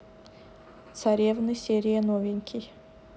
царевны серия новенький